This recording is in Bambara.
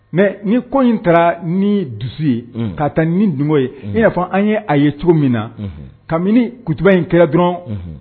Mɛ ni kɔn in taara ni dusu ye ka taa ni duman ye i y'a fɔ an ye a ye cogo min na kabini kutuba in kɛra dɔrɔn